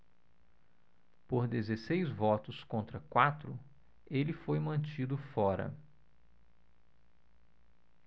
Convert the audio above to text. por dezesseis votos contra quatro ele foi mantido fora